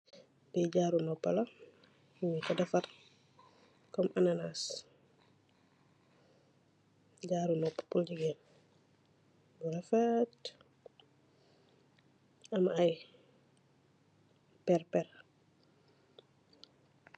Jarou nopaa nyu rafet pur jigeen.